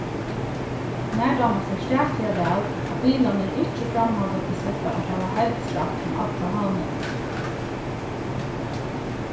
mær dámar serstakliga væl at bilarnir ikki framhaldandi sleppa at hava hevdsrætt um alla havnina